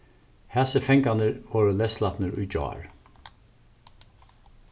hasir fangarnir vórðu leyslatnir í gjár